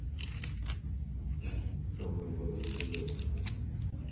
самооборона без оружия